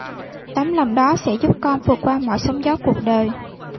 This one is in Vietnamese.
tấm lòng đó sẽ giúp con vượt qua mọi sóng gió cuộc đời